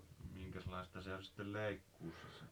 minkäslaista se oli sitten leikkuussa se